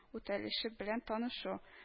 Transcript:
Үтәлеше белән танышу